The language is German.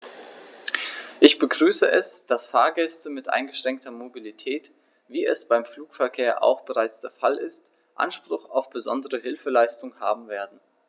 Ich begrüße es, dass Fahrgäste mit eingeschränkter Mobilität, wie es beim Flugverkehr auch bereits der Fall ist, Anspruch auf besondere Hilfeleistung haben werden.